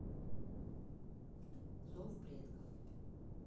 зов предков